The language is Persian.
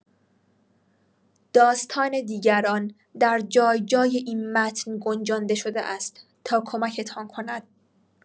داستان دیگران در جای‌جای این متن گنجانده شده است تا کمکتان کند.